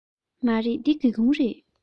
མ རེད འདི སྒེའུ ཁུང རེད